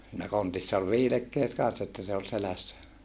siinä kontissa oli viilekkeet kanssa että se oli selässä